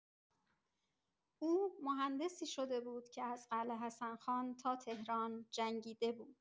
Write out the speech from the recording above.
او مهندسی شده بود که از قلعه حسن خان تا تهران جنگیده بود.